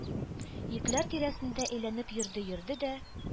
Йөкләр тирәсендә әйләнеп йөрде-йөрде дә